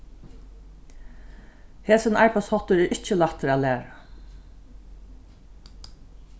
hesin arbeiðsháttur er ikki lættur at læra